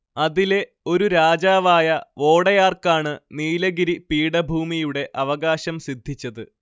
അതിലെ ഒരു രാജാവായ വോഡെയാർക്കാണ് നീലഗിരി പീഠഭൂമിയുടെ അവകാശം സിദ്ധിച്ചത്